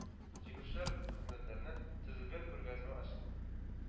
Җиңүчеләр хезмәтләреннән төзелгән күргәзмә ачылды.